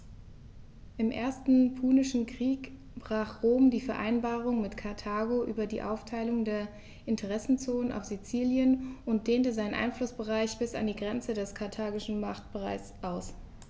Im Ersten Punischen Krieg brach Rom die Vereinbarung mit Karthago über die Aufteilung der Interessenzonen auf Sizilien und dehnte seinen Einflussbereich bis an die Grenze des karthagischen Machtbereichs aus.